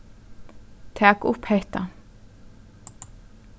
tak upp hetta